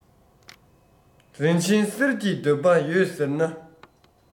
རིན ཆེན གསེར གྱི འདོད པ ཡོད ཟེར ན